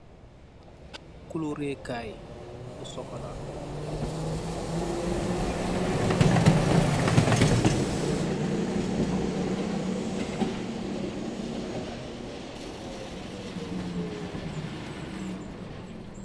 Kuloreh Kai bu sokola.